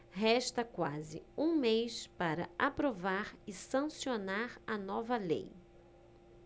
resta quase um mês para aprovar e sancionar a nova lei